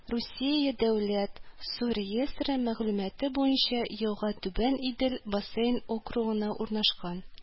Русия дәүләт су реестры мәгълүматы буенча елга Түбән Идел бассейн округында урнашкан